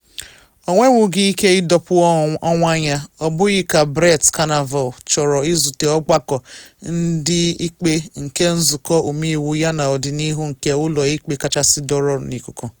Ọ nwenwughi ike ịdọpụ onwe ya, ọbụghị ka Brett Kavanaugh chọrọ izute Ọgbakọ Ndị Ikpe nke Nzụkọ Ọmeiwu yana ọdịnihu nke Ụlọ Ikpe Kachasị kodoro n’ikuku.